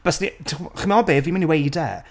Baswn i... t- chi'mod be? Fi'n myn' i weud e...